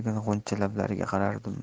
g'uncha lablariga qarardim